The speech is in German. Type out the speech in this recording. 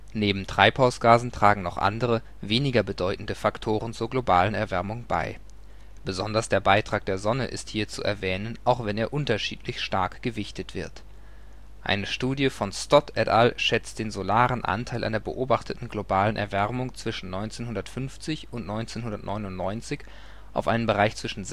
Neben Treibhausgasen tragen noch andere, weniger bedeutende Faktoren zur globalen Erwärmung bei. Besonders der Beitrag der Sonne ist hier zu erwähnen, auch wenn er unterschiedlich stark gewichtet wird. Eine Studie von Stott et al. schätzt den solaren Anteil an der beobachteten globalen Erwärmung zwischen 1950 und 1999 auf einen Bereich zwischen